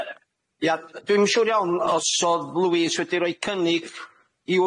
Yy ia dwi'm yn siŵr iawn os odd Lewis wedi roi cynnig i